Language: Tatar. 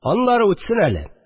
Аннары үтсен әле